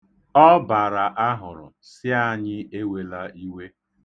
Ọ bara ahụrụ, sị anyị ewela iwe.